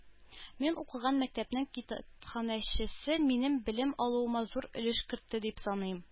Мин укыган мәктәпнең китапханәчесе минем белем алуыма зур өлеш кертте дип саныйм